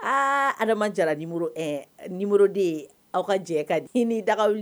Aa adama jara de ye aw ka jɛ ka di ni daga